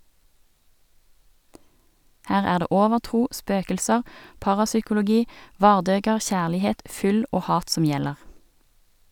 Her er det overtro, spøkelser, parapsykologi, vardøger, kjærlighet, fyll og hat som gjelder.